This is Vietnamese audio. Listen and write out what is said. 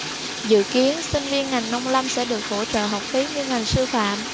dự kiến sinh viên ngành nông lâm sẽ được hỗ trợ học phí như ngành sư phạm